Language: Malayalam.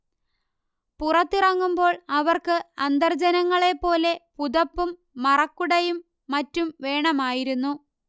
പുറത്തിറങ്ങുമ്പോൾ അവർക്ക് അന്തർജനങ്ങളെപ്പോലെ പുതപ്പും മറക്കുടയും മറ്റും വേണമായിരുന്നു